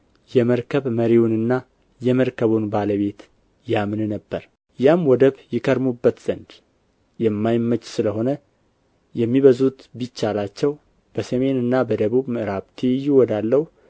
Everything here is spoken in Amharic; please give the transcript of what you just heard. የመርከብ መሪውንና የመርከቡን ባለቤት ያምን ነበር ያም ወደብ ይከርሙበት ዘንድ የማይመች ስለ ሆነ የሚበዙቱ ቢቻላቸው በሰሜንና በደቡብ ምዕራብ ትይዩ ወዳለው